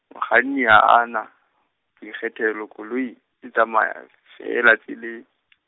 mokganni ha a na boikgethelo, koloi e tsamaya feela tsele- .